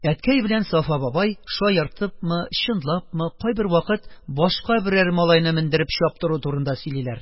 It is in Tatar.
Әткәй белән Сафа бабай, шаяртыпмы, чынлапмы, кайбер вакыт башка берәр малайны мендереп чаптыру турында сөйлиләр: